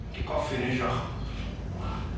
Coffi neisiach.